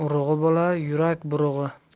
bo'lar yurak burug'i